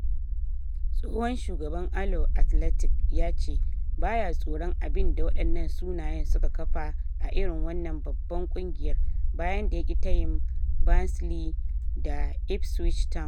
Tsohon shugaban Alloa Athletic ya ce ba ya tsoron abin da wadannan sunayen suka kafa a irin wannan babban kungiyar, bayan da yaki tayin Barnsley da Ipswich Town.